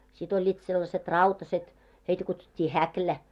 sitten olivat sellaiset rautaiset heitä kutsuttiin häkilä